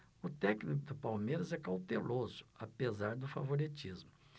o técnico do palmeiras é cauteloso apesar do favoritismo